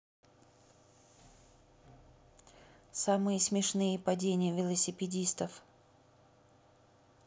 самые смешные падения велосипедистов